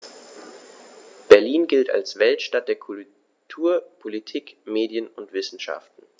Berlin gilt als Weltstadt der Kultur, Politik, Medien und Wissenschaften.